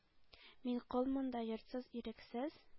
Мин кол монда, йортсыз-ирексез,